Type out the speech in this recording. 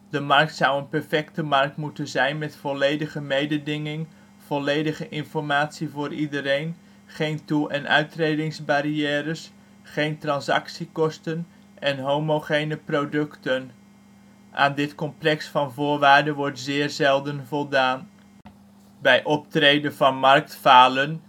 de markt zou een perfecte markt moeten zijn met volledige mededinging, volledige informatie voor iedereen, geen toe - en uittredingsbarrières, geen transactiekosten, en homogene producten. Aan dit complex van voorwaarden wordt zeer zelden voldaan. Bij optreden van marktfalen